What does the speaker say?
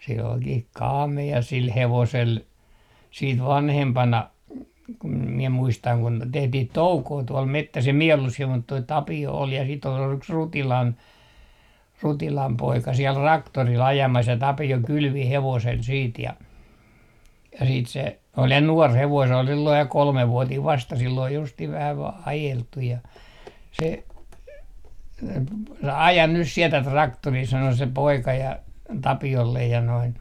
se olikin kaamea sillä hevosella sitten vanhempana kun minä muistan kun tehtiin toukoa tuolla metsässä en minä ollut siellä mutta tuo Tapio oli ja sitten oli yksi - Rutilan Rutilan poika siellä traktorilla ajamassa ja Tapio kylvi hevosella sitten ja ja sitten se oli ja nuori hevonen se oli silloin ja kolmevuotinen vasta sillä oli justiin vähän vain ajeltu ja se aja nyt sinä tätä traktoria sanoi se poika ja Tapiolle ja noin